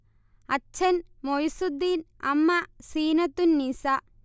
അച്ഛൻ മൊയ്സുദ്ദീൻ അമ്മ സീനത്തുന്നീസ